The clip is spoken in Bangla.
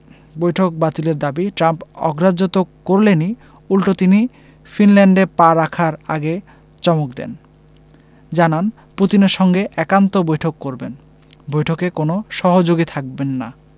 বৈঠক বাতিলের দাবি ট্রাম্প অগ্রাহ্য তো করলেনই উল্টো তিনি ফিনল্যান্ডে পা রাখার আগে চমক দেন জানান পুতিনের সঙ্গে একান্ত বৈঠক করবেন বৈঠকে কোনো সহযোগী থাকবেন না